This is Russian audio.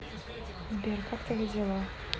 сбер как твои дела